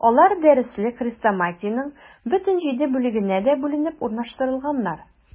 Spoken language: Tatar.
Алар дәреслек-хрестоматиянең бөтен җиде бүлегенә дә бүленеп урнаштырылганнар.